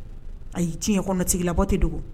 Ayi diɲɛ kɔnɔ tigilabɔ te dogo